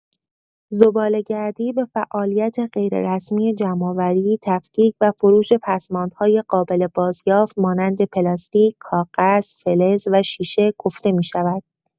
زباله‌گردی به فعالیت غیررسمی جمع‌آوری، تفکیک و فروش پسماندهای قابل بازیافت مانند پلاستیک، کاغذ، فلز و شیشه گفته می‌شود.